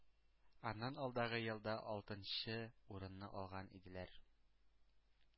Аннан алдагы елда алтынчынчы урынны алган иделәр.